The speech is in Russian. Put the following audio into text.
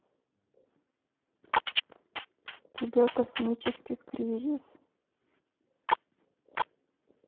у тебя космический кризис